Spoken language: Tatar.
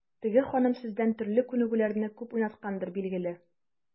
Теге ханым сездән төрле күнегүләрне күп уйнаткандыр, билгеле.